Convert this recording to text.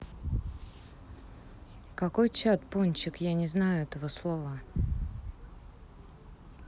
какой чат пончик я не знаю этого слова